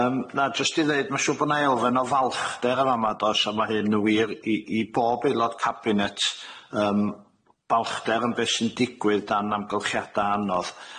Yym na jyst i ddeud ma' siŵr bo' 'na elfen o falchder yn fa'ma do's a ma' hyn yn wir i i bob Aelod Cabinet yym balchder yn beth sy'n digwydd dan amgylchiada anodd.